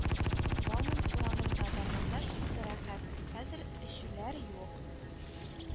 Бауман урамында барганда шунсы рәхәт, хәзер эчүләр юк